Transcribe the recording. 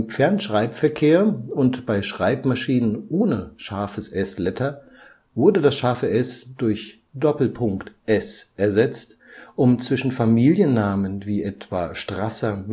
Fernschreibverkehr und bei Schreibmaschinen ohne ß-Letter wurde das „ ß “durch „: s “ersetzt, um zwischen Familiennamen wie etwa Strasser